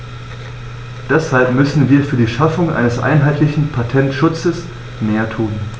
Deshalb müssen wir für die Schaffung eines einheitlichen Patentschutzes mehr tun.